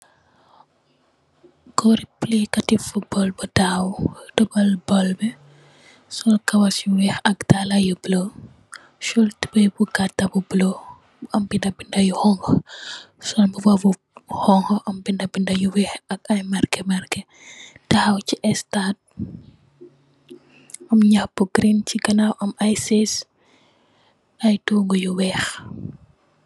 Gorre play kati football bu takhaw, dugal bal bii, sol kawass yu wekh ak daalah yu bleu, sol tubeiyy bu gatah bu bleu, mu am binda binda yu honhu, sol mbuba bu honhu mu am binda binda yu wekh, ak aiiy marrkeh marrkeh, takhaw chi estade, am njahh bu green chi ganaw, am aiiy chaise, aiiy tohgu yu wekh.